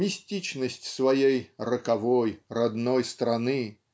Мистичность своей "роковой родной страны"